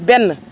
benn